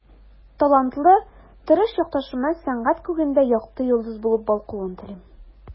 Талантлы, тырыш якташыма сәнгать күгендә якты йолдыз булып балкуын телим.